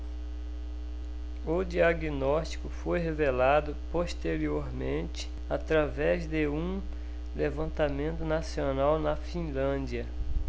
o diagnóstico foi revelado posteriormente através de um levantamento nacional na finlândia